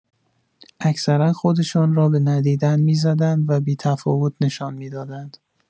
اکثرا خودشان را به ندیدن می‌زدند و بی‌تفاوت نشان می‌دادند.